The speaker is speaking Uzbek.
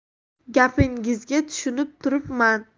gapingizga tushunib turibman